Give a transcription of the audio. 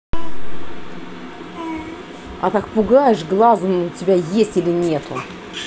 а так пугаешь глазу н у тебя есть или нету